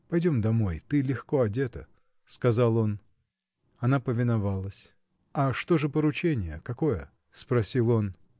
— Пойдем домой: ты легко одета, — сказал он. Она повиновалась. — А что же поручение — какое? — спросил он.